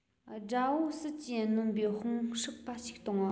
དགྲ བོ ཟིལ གྱིས གནོན པའི དཔུང ཧྲག པ ཞིག གཏོང བ